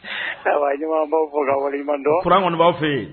Ɲumanuma' fɔ ka wale ɲumandɔ furan kɔni b'aw fɛ yen